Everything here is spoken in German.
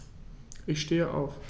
Ich stehe auf.